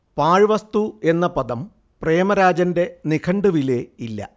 പാഴ്വസ്തു എന്ന പദം പ്രേമരാജന്റെ നിഘണ്ടുവിലേ ഇല്ല